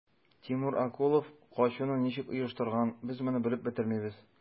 Тимур Акулов качуны ничек оештырган, без моны белеп бетермибез.